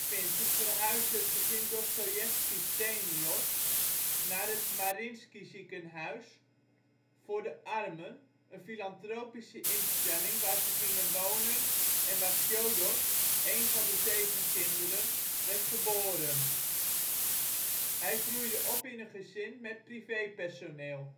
In 1821 verhuisde het gezin Dostojevski sr. naar het Marinski-Ziekenhuis voor de Armen, een filantropische instelling waar ze gingen wonen en waar Fjodor, een van de zeven kinderen, werd geboren. Hij groeide op in een gezin met privépersoneel